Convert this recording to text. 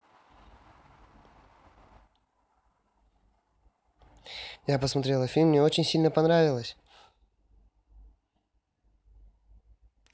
я посмотрела фильм мне очень сильно понравилось